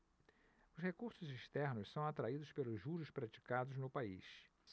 os recursos externos são atraídos pelos juros praticados no país